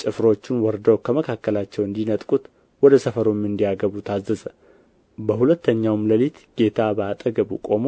ጭፍሮቹ ወርደው ከመካከላቸው እንዲነጥቁት ወደ ሰፈሩም እንዲያገቡት አዘዘ በሁለተኛውም ሌሊት ጌታ በአጠገቡ ቆሞ